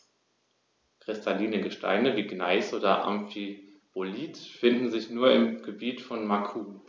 Kristalline Gesteine wie Gneis oder Amphibolit finden sich nur im Gebiet von Macun.